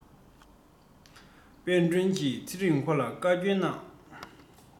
དཔལ སྒྲོན གྱི ཚེ རིང ཁོ ལ བཀའ བསྐྱོན བཏང